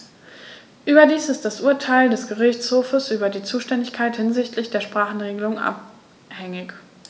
Überdies ist das Urteil des Gerichtshofes über die Zuständigkeit hinsichtlich der Sprachenregelung anhängig.